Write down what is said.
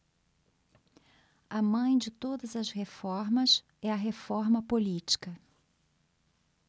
a mãe de todas as reformas é a reforma política